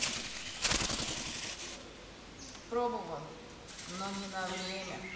пробовал но не на время